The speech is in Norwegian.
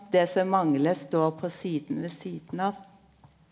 det som manglar står på sida ved sidan av.